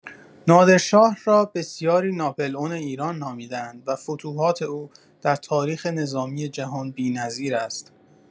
نادرشاه را بسیاری ناپلئون ایران نامیده‌اند و فتوحات او در تاریخ نظامی جهان بی‌نظیر است.